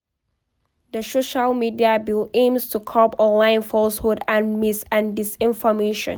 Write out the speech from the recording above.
The social media bill aims to curb online falsehoods and mis- and disinformation.